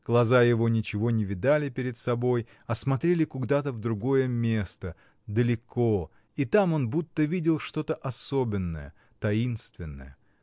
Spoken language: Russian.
Глаза его ничего не видали перед собой, а смотрели куда-то в другое место, далеко, и там он будто видел что-то особенное, таинственное.